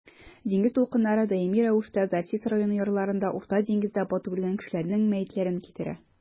Диңгез дулкыннары даими рәвештә Зарзис районы ярларына Урта диңгездә батып үлгән кешеләрнең мәетләрен китерә.